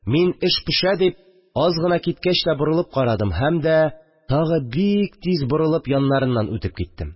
Мин, эш пешә дип, аз гына киткәч тә борылып карадым һәм дә тагы бик тиз борылып яннарыннан үтеп киттем